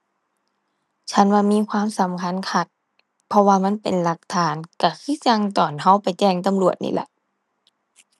ฉันว่ามีความสำคัญคัก เพราะว่ามันเป็นหลักฐานก็คือจั่งตอนก็ไปแจ้งตำรวจนี่ล่ะ